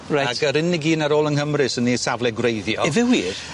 Reit. Ag yr unig un ar ôl yng Nghymru sy yn 'i safle gwreiddiol. Yfe wir>